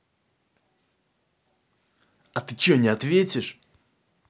а ты че не ответишь